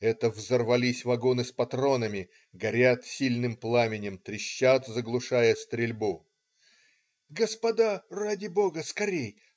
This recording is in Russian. Это взорвались вагоны с патронами - горят сильным пламенем, трещат, заглушая стрельбу. "Господа! ради Бога, скорей!